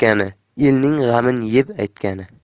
elning g'amin yeb aytgani